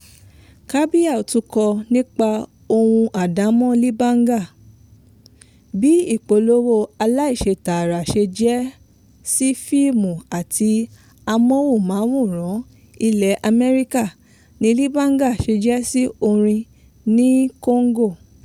Cabiau tún kọ nípa ohun àdámọ̀ "libanga." Bí ìpolówó aláìṣetààrà ṣe jẹ́ sí fíìmù àti amóhùnmáwòrán ilẹ̀ America ni Libanga ṣe jẹ́ sí orin ilẹ̀ Congo.